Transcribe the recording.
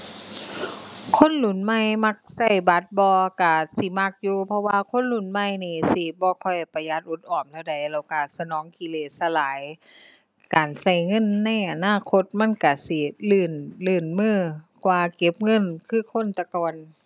คนรุ่นใหม่มักใช้บัตรบ่ ใช้อาจสิมักอยู่ เพราะว่าคนรุ่นใหม่นี่สิบ่ค่อยประหยัดอดออมเท่าใด แล้วใช้สนองกิเลสซะหลาย การใช้เงินในอนาคตมันใช้สิลื่น ลื่นมือกว่าเก็บเงินคือคนแต่ก่อน